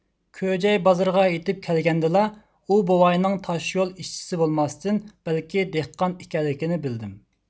كۆجەي بازىرىغا يېتىپ كەلگەندىلا ئۇ بوۋاينىڭ تاشيول ئىشچىسى بولماستىن بەلكى دېھقان ئىكەنلىكىنى بىلدىم